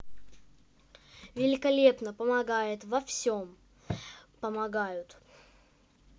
великолепно помогает во всем помогают